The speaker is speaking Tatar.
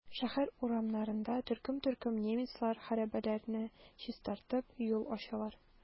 Шәһәр урамнарында төркем-төркем немецлар хәрабәләрне чистартып, юл ачалар.